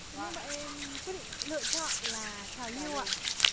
thế nên bọn em quyết định lựa chọn là trào lưu ạ